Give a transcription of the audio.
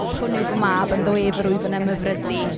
Hwn yw fy mab ynddo ef yr wyf yn ymhyfrydu.